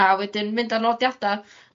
A wedyn mynd â nodiada